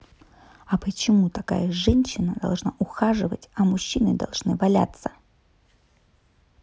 а почему такая женщина должна ухаживать а мужчины должны валяться